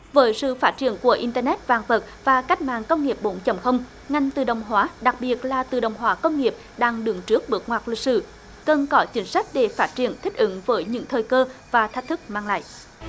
với sự phát triển của in tơ nét vạn vật và cách mạng công nghiệp bốn chấm không ngành tự động hóa đặc biệt là tự động hóa công nghiệp đang đứng trước bước ngoặt lịch sử cần có chính sách để phát triển thích ứng với những thời cơ và thách thức mang lại